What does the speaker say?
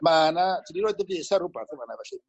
ma' 'na ti roid dy bys ar rwbath yn fana felly